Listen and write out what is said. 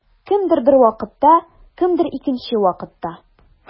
Кемдер бер вакытта, кемдер икенче вакытта.